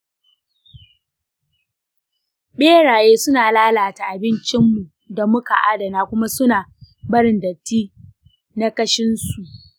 ɓeraye suna lalata abincinmu da muka adana kuma suna barin datti na kashinsu.